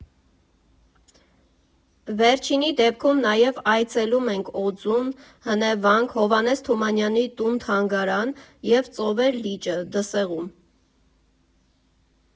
Վերջինի դեպքում նաև այցելում ենք Օձուն, Հնեվանք, Հովհաննես Թումանյանի տուն֊թանգարան և Ծովեր լիճը Դսեղում։